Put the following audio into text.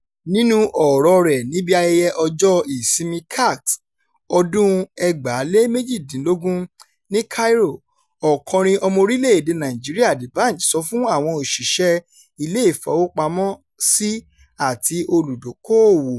Nínú ọ̀rọ̀-ọ rẹ̀ níbi ayẹyẹ Ọjọ́ Ìsinmi CAX 2018 ní Cario, ọ̀kọrin ọmọ orílẹ̀-èdèe Nàìjíríà D'Banj sọ fún àwọn òṣìṣẹ́ Ilé-ìfowópamọ́sí àti olùdókoòwò: